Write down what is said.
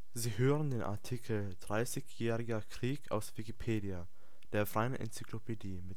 Sie hören den Artikel Dreißigjähriger Krieg, aus Wikipedia, der freien Enzyklopädie